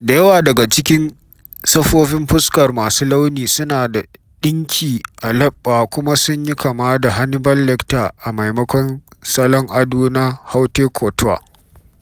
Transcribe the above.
Da yawa daga cikin safofin fuskar masu launi suna da ɗinki a leɓɓa kuma sun yi kama da Hannibal Lecter a maimakon salon ado na haute couture.